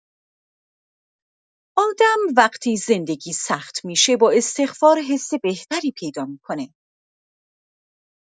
آدم وقتی زندگی سخت می‌شه، با استغفار حس بهتری پیدا می‌کنه.